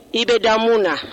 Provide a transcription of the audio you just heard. I bɛ da mun na